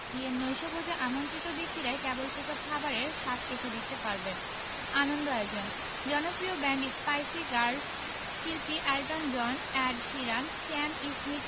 বিয়ের নৈশভোজে আমন্ত্রিত ব্যক্তিরাই কেবল সেসব খাবারের স্বাদ চেখে দেখতে পারবেন আনন্দ আয়োজন জনপ্রিয় ব্যান্ড স্পাইসি গার্লস শিল্পী Elton John Ed Sheeran Sam Smith